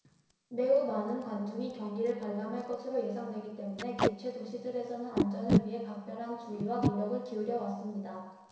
매우 많은 관중이 경기를 관람할 것으로 예상되기 때문에 개최 도시들에서는 안전을 위해 각별한 주의와 노력을 기울여 왔습니다